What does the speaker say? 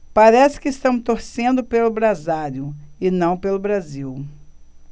parece que estamos torcendo pelo brasário e não pelo brasil